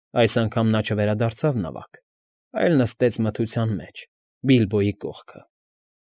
Այս անգամ նա չվերադարձավ նավակ, այլ նստեց մթության մեջ, Բիլբոյի կողքը։